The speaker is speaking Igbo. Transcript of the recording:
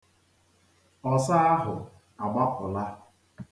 Ọsa ahụ agbapụla.